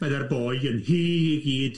Byddai'r boi yn hŷ i gyd.